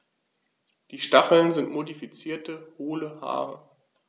Diese Stacheln sind modifizierte, hohle Haare.